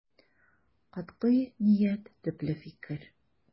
Катгый ният, төпле фикер.